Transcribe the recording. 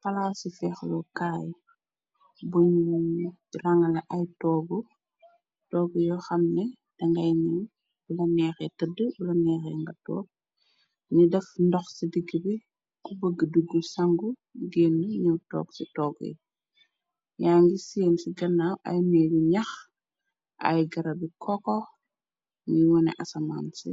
Xalaa ci feexlokaay buy mu ranale ay otoogu yu xam ne dangay ñew buna neexee tëdd bula neexee nga toog ni daf ndox ci digg bi ku bëgg duggu sangu genn ñëw toog ci toog yi yaa ngi seen ci gannaaw ay mee yu ñax ay garabi koko ni wone asamaan ci